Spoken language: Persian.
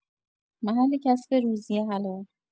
محل کسب روزی حلال